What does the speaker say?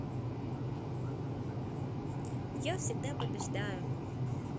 я всегда побеждаю